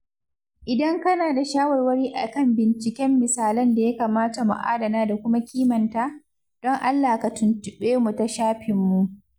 Idan kana da shawarwari a kan binciken misalan da ya kamata mu adana da kuma kimanta, don Allah ka tuntuɓe mu ta shafinmu.